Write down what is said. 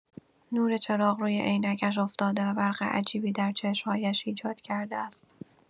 نور چراغ روی عینکش افتاده و برق عجیبی در چشم‌هایش ایجاد کرده است.